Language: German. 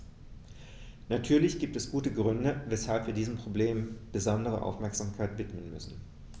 Natürlich gibt es gute Gründe, weshalb wir diesem Problem besondere Aufmerksamkeit widmen müssen.